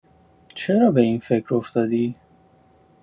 چرا به این فکر افتادی؟